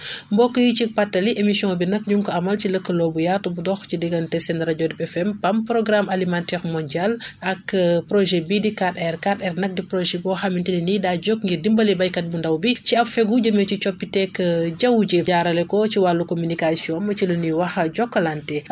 mbokk yi cib pàttali émission bi nag ñu ngi ko amal ci lëkkaloo bu yaatu bu dox ci diggante seen rajo RIP FM PAM programme alimentaire mondial ak projet bii di 4R 4R nag di projet boo xamante ne nii daa jóg ngir dimbale béykat bu ndaw bi ci ab fegu jëmee ci coppiteeg jaww ji jaarale ko ci wàllu communication am ci la ñuy wax Jokalante